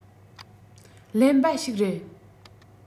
ཀླེན པ ཞིག རེད